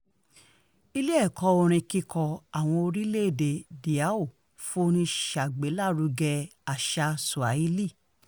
Ilé-ẹ̀kọ́ Orin Kíkọ Àwọn Orílẹ̀-èdè Dhow f'orin ṣègbélárugẹ àṣàa Swahili